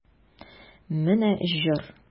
Менә җор!